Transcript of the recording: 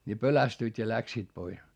niin pelästyivät ja lähtivät pois